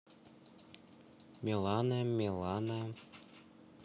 милана милана